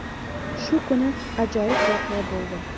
shu kuni ajoyib voqea bo'ldi